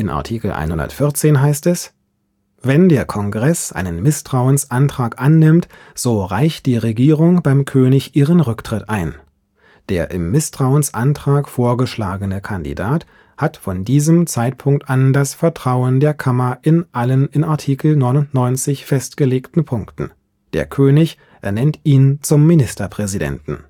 Artikel 114 (2) Wenn der Kongress einen Misstrauensantrag annimmt, so reicht die Regierung beim König ihren Rücktritt ein. Der im Misstrauensantrag vorgeschlagene Kandidat hat von diesem Zeitpunkt an das Vertrauen der Kammer in allen in Artikel 99 festgelegten Punkten. Der König ernennt ihn zum Ministerpräsidenten